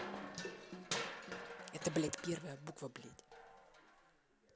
это блядь первая буква блядь